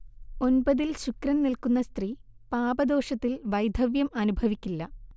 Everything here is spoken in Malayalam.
ഒൻപതിൽ ശുക്രൻ നിൽക്കുന്ന സ്ത്രീ പാപദോഷത്തിൽ വൈധവ്യം അനുഭവിക്കില്ല